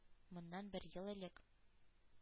Моннан бер ел элек